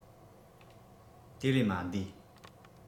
དེ ལས མ འདས